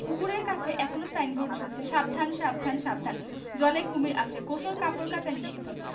পুকুরের কাছে এখনো সাইনবোর্ড ঝুলছে সাবধান সাবধান সাবধান জলে কুমীর আছে গোসল কাপড় কাচা নিষিদ্ধ